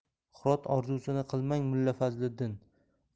hirot orzusini qilmang mulla fazliddin far